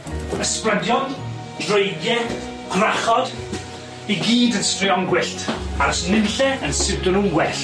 Ysbrydion, dreigie, gwrachod, i gyd yn straeon gwyllt, a do's nunlle yn siwto nw'n well.